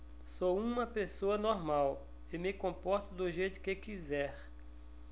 sou homossexual e me comporto do jeito que quiser